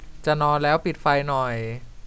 จะนอนแล้วปิดไฟหน่อย